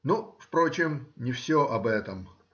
Ну, впрочем, не все об этом.